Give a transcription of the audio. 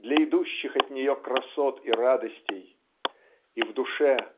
для идущих от нее красот и радостей. И в душе